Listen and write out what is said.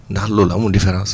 ndax loolu amul différence